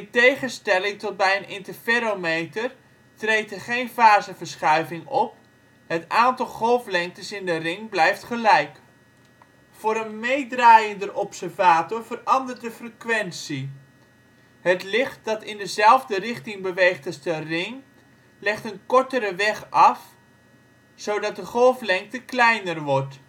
tegenstelling tot bij een interferometer treedt er geen faseverschuiving op; het aantal golflengtes in de ring blijft gelijk. Voor een meedraaiende observator verandert de frequentie. Het licht dat in dezelfde richting beweegt als de ring, legt een kortere weg af, zodat de golflengte kleiner wordt